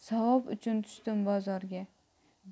savob uchun tushdim bozorga